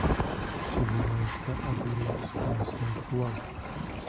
чебурашка огурец красный флаг